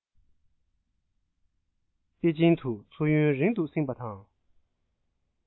པེ ཅིན དུ འཚོ ཡུན རིང དུ བསྲིངས པ དང